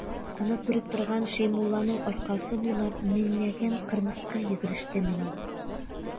Аны күреп торган Шәймулланың аркасы буйлап меңләгән кырмыска йөгерештемени.